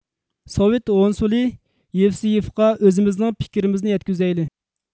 سوۋېت ھونسۇلى يېۋسېيىفقا ئۆزىمىزنىڭ پىكرىمىزنى يەتكۈزەيلى